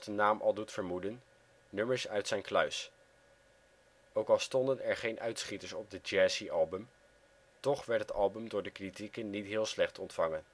naam al doet vermoeden, nummers uit zijn kluis. Ook al stonden er geen uitschieters op dit jazzy album, toch werd het album door de kritieken niet heel slecht ontvangen